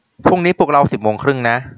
พรุ่งนี้ปลุกเราสิบโมงครึ่งนะ